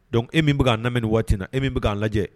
Dɔn e min k'a lamɛn ni waati na e min k'a lajɛ